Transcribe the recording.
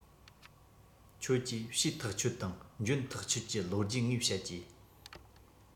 ཁྱོད ཀྱིས བྱས ཐག ཆོད དང འཇོན ཐག ཆོད ཀྱི ལོ རྒྱུས ངས བཤད ཀྱིས